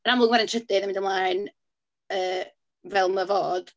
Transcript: Yn amlwg mae'r un trydydd yn mynd ymlaen yy fel mae fod...